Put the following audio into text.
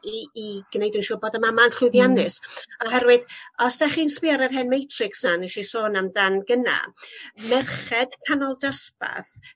i i gneud yn siŵr bod y mama'n llwyddiannus oherwydd os 'dach chi'n sbio ar yr hen matrics 'na nes i sôn amdan gyna' merched canol dosbarth